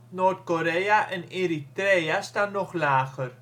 Noord-Korea en Eritrea staan nog lager